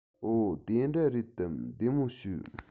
འོ དེ འདྲ རེད དམ བདེ མོ བྱོས